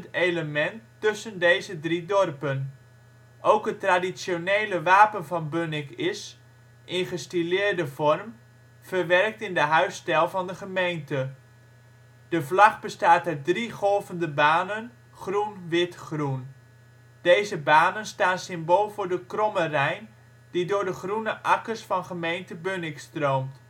element tussen deze drie dorpen. Ook het traditionele wapen van Bunnik is, in gestileerde vorm, verwerkt in de huisstijl van de gemeente. De vlag bestaat uit drie golvende banen: groen, wit, groen. deze banen staan symbool voor de Kromme Rijn die door de groene akkers van gemeente Bunnik stroomt